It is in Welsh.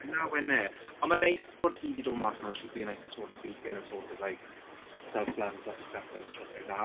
I know innit? Ond mae'n neis bod hi 'di dod mas nawr and she's being like the sort of beacon of sort of like, self-love and self-acceptance and stuff like that.